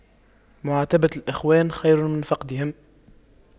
معاتبة الإخوان خير من فقدهم